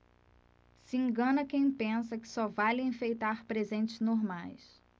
se engana quem pensa que só vale enfeitar presentes normais